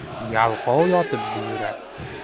yalqov yotib buyurar